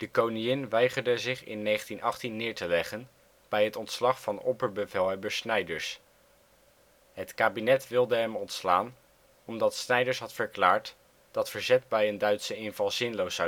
koningin weigerde zich in 1918 neer te leggen bij het ontslag van opperbevelhebber Snijders. Het kabinet wilde hem ontslaan omdat Snijders had verklaard dat verzet bij een Duitse inval zinloos